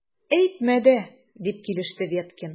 Әйтмә дә! - дип килеште Веткин.